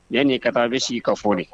Yanni ka taa bɛ sigi ka fɔ